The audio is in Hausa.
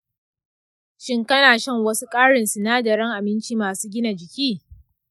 shin kana shan wasu ƙarin sinadaran abinci masu gina jiki?